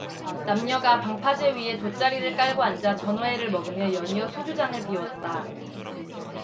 남녀가 방파제 위에 돗자리를 깔고 앉아 전어회를 먹으며 연이어 소주잔을 비웠다